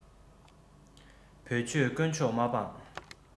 བོད ཆོས དཀོན མཆོག མ སྤངས